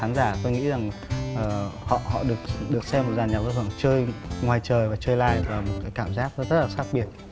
khán giả tôi nghĩ rằng họ được được xem dàn nhạc giao hưởng chơi ngoài trời và chơi lai và một cái cảm giác rất khác biệt